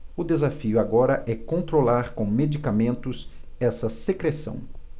o desafio agora é controlar com medicamentos essa secreção